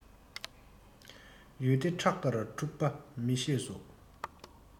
ཡུལ སྡེ ཁྲག ལྟར འཁྲུག པ མི ཤེས སོ